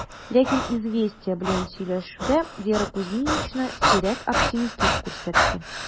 Ләкин "Известия" белән сөйләшүдә Вера Кузьминична сирәк оптимистлык күрсәтте: